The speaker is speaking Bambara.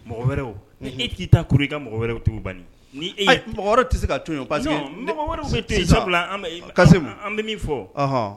Mɔgɔ wɛrɛ e'i taa k i ka mɔgɔ wɛrɛw tu ban mɔgɔ tɛ se ka to parce que sa kasi an bɛ fɔhɔn